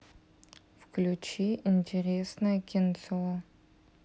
включи интересное кинцо